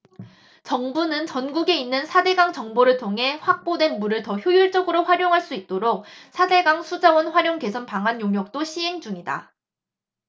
정부는 전국에 있는 사 대 강 보를 통해 확보된 물을 더 효율적으로 활용할 수 있도록 사 대 강 수자원 활용 개선 방안 용역도 시행 중이다